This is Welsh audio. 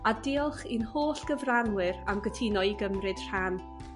A diolch i'n holl gyfranwyr am gytuno i gymryd rhan.